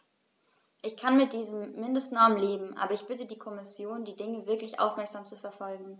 Ich kann mit diesen Mindestnormen leben, aber ich bitte die Kommission, die Dinge wirklich aufmerksam zu verfolgen.